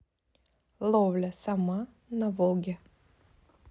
ловля сома на волге